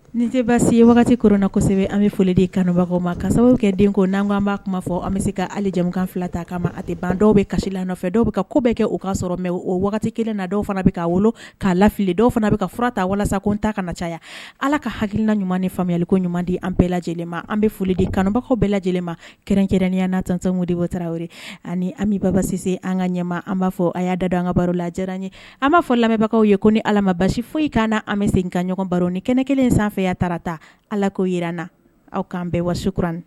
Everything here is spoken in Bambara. Ni tɛ basi ye wagati ko na kosɛbɛ an bɛ foli di kanbagaw ma ka sababu kɛ den ko n' an b'a kuma fɔ an bɛ se ka halijamukan fila ta k' ma a tɛ ban dɔw bɛ kasi la nɔfɛ dɔw bɛ ka ko bɛɛ kɛ u k ka sɔrɔ mɛ o waati wagati kelen na dɔw fana bɛ k' wolo k'a lafilile dɔw fana bɛ ka fura ta walasa ko n ta ka na caya ala ka hakilina ɲuman ni faamuyayaliko ɲuman di an bɛɛ lajɛlen ma an bɛ foli di kanubagaw bɛɛ lajɛlen ma kɛrɛn-kɛrɛnya na 1mudi wataraw ani an biba se se an ka ɲɛma an b'a fɔ a y'a da don an ka baro la diyara n ye an b'a fɔ lamɛnbagaw ye ko ni ala ma basi foyi kan an bɛ sen ka ɲɔgɔn baro ni kɛnɛ kelen sanfɛya taarata ala ko jirana aw k'an bɛn wasokuranin